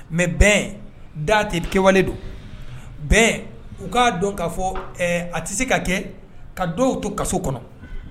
Mɛ bɛn date kɛwalelen don bɛn u k'a dɔn k'a fɔ a tɛ se ka kɛ ka dɔw to kaso kɔnɔ